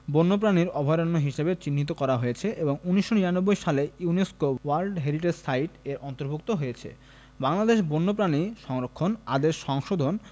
বন্যপ্রাণীর অভয়ারণ্য হিসেবে চিহ্নিত করা হয়েছে এবং ১৯৯৯ সাল থেকে ইউনেস্কো ওয়ার্ল্ড হেরিটেজ সাইট এর অন্তর্ভুক্ত হয়েছে বাংলাদেশ বন্যপ্রাণী সংরক্ষণ আদেশ সংশোধন